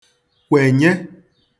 kwènye